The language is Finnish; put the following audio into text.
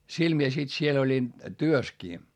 sillä minä sitten siellä olin työssäkin